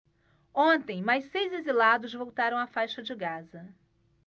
ontem mais seis exilados voltaram à faixa de gaza